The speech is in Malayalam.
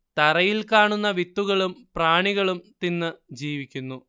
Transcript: തറയിൽ കാണുന്ന വിത്തുകളും പ്രാണികളും തിന്നു ജീവിക്കുന്നു